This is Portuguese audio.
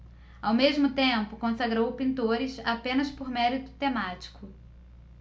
ao mesmo tempo consagrou pintores apenas por mérito temático